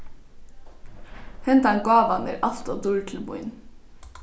hendan gávan er alt ov dýr til mín